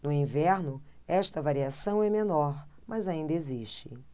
no inverno esta variação é menor mas ainda existe